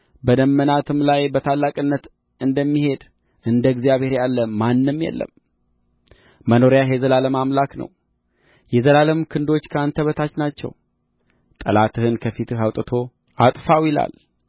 በደመናትም ላይ በታላቅነት እንደሚሄድ እንደ እግዚአብሔር ያለ ማንም የለም መኖሪያህ የዘላለም አምላክ ነው የዘላለምም ክንዶች ከአንተ በታች ናቸው ጠላትህን ከፊትህ አውጥቶ አጥፋው ይላል